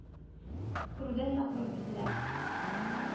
Күрүдән мәхрүм иделәр.